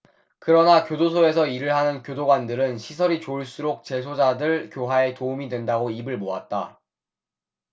그러나 교도소에서 일을 하는 교도관들은 시설이 좋을수록 재소자들 교화에 도움이 된다고 입을 모았다